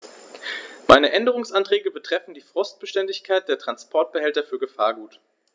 Meine Änderungsanträge betreffen die Frostbeständigkeit der Transportbehälter für Gefahrgut.